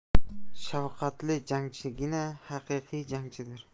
shafqatli jangchigina haqiqiy jangchidir